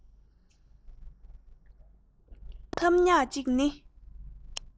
པོ སྤོ ཐབས ཉག གཅིག ནི